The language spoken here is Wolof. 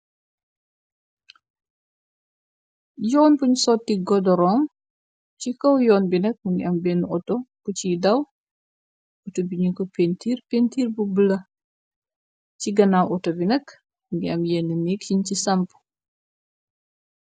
yoon buñ soti godorong ci kow yoon bi nak muni am bénn auto ku ciy daw auto bi nu ko pintiir pintiir bu bla ci ganaaw auto bi nak ngi am yénn nég ciñ ci samp